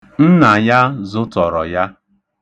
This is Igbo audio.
Nna ya zụtọrọ ya.